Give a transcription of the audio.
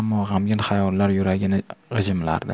ammo g'amgin xayollar yuragini g'ijimlardi